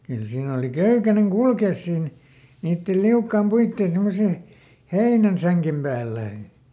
kyllä siinä oli köykäinen kulkea siinä niiden liukkaan puiden semmoisen heinänsängen päällä